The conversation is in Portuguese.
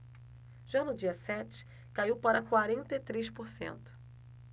já no dia sete caiu para quarenta e três por cento